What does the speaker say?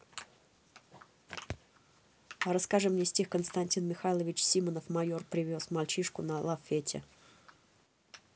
расскажи мне стих константин михайлович симонов майор привез мальчишку на лафете